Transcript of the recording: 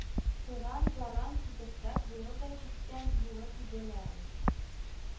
Пыран-заран китерсәк, быел да җиткән булыр иде лә ул